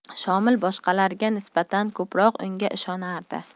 shomil boshqalarga nisbatan ko'proq unga ishonardi